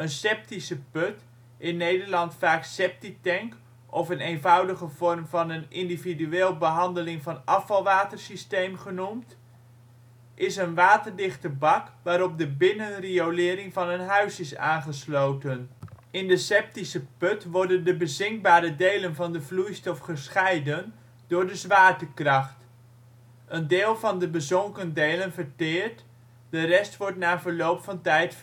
septische put, in Nederland vaak septic tank of septictank of een eenvoudige vorm van een IBA systeem (Individuele Behandeling van Afvalwater) genoemd, is een waterdichte bak waarop de binnenriolering van een huis is aangesloten. In de septische put worden de bezinkbare delen van de vloeistof gescheiden door de zwaartekracht. Een deel van de bezonken delen verteert, de rest wordt na verloop van tijd